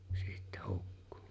sitten hukkui